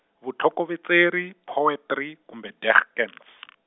vutlhokovetseri, poetry kumbe digkuns.